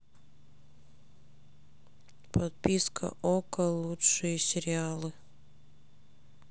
подписка окко лучшие сериалы